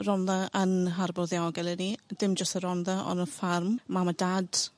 Rhondda yn harbwr ddiogel i fi dim jyst y Rondda on' y ffarm, mam a dad